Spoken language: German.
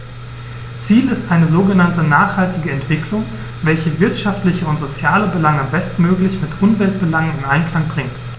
Ziel ist eine sogenannte nachhaltige Entwicklung, welche wirtschaftliche und soziale Belange bestmöglich mit Umweltbelangen in Einklang bringt.